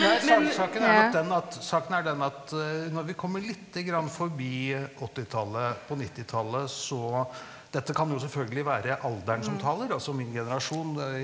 nei saken er nok den at saken er den at når vi kommer lite grann forbi åttitallet, på nittitallet så dette kan jo selvfølgelig være alderen som taler, altså min generasjon .